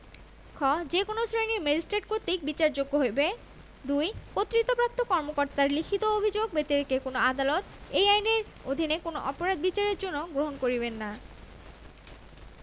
খ যে কোন শ্রেণীর ম্যাজিস্ট্রেট কর্তৃক বিচারযোগ্য হইবে ২ কর্তৃত্বপ্রাপ্ত কর্মকর্তার লিখিত অভিযোগ ব্যতিরেকে কোন আদালত এই আইনের অধীন কোন অপরাধ বিচারের জন্য গ্রহণ করিবে না